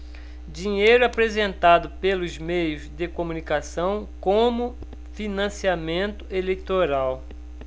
dinheiro apresentado pelos meios de comunicação como financiamento eleitoral